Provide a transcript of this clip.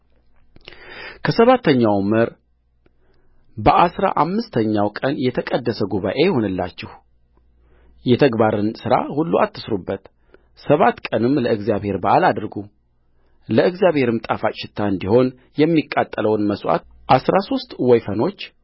ከሰባተኛውም ወር በአሥራ አምስተኛው ቀን የተቀደሰ ጉባኤ ይሁንላችሁ የተግባርን ሥራ ሁሉ አትሥሩበት ሰባት ቀንም ለእግዚአብሔር በዓል አድርጉለእግዚአብሔርም ጣፋጭ ሽታ እንዲሆን የሚቃጠለውን መሥዋዕት አሥራ ሦስት ወይፈኖች